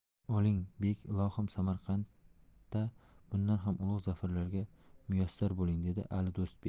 oling bek ilohim samarqandda bundan ham ulug' zafarlarga muyassar bo'ling dedi ali do'stbek